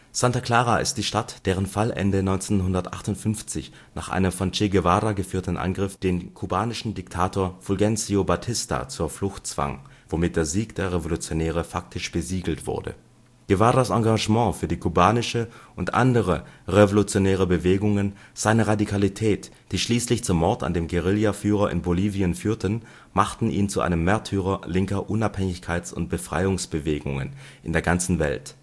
Santa Clara ist die Stadt, deren Fall Ende 1958 nach einem von Che Guevara geführten Angriff den kubanischen Diktator Fulgencio Batista zur Flucht zwang, womit der Sieg der Revolutionäre faktisch besiegelt wurde. Guevaras Engagement für die kubanische und andere revolutionäre Bewegungen, seine Radikalität, die schließlich zum Mord an dem Guerillaführer in Bolivien führten, machten ihn zu einem Märtyrer linker Unabhängigkeits - und Befreiungsbewegungen in der ganzen Welt